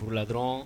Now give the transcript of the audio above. Urula dɔrɔn